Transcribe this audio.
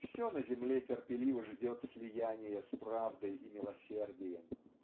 Все на земле терпеливо ждет слияния с правдой и милосердием